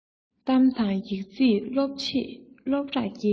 གཏམ དང ཡིག རྩིས སློབ ཆེད སློབ རར བསྐྱེལ